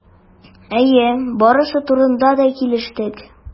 Әйе, барысы турында да килештек.